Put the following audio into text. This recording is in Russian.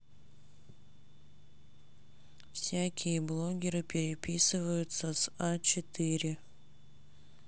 всякие блогеры переписываются с а четыре